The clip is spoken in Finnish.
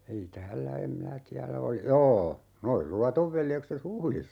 ei täällä en minä tiedä oli joo nuo Luodon veljekset Huhdissa